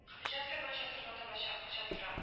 Җан-фәрман чатырына таба чачаптыра